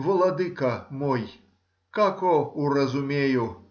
Владыко мой, како уразумею